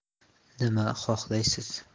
nima xohlaysiz